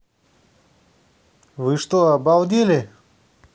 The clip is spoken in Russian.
вы что обалдели